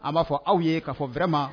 An b'a fɔ aw ye, k'a fɔ vraiment